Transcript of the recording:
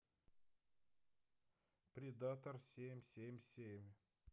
предатор семь семь семь